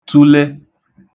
tụle